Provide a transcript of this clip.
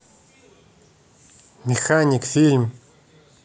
механик фильм